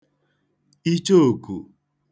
ichoòkù